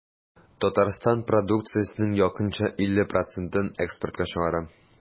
Татарстан продукциясенең якынча 50 процентын экспортка чыгара.